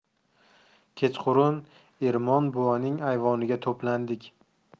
kechqurun ermon buvaning ayvoniga to'plandik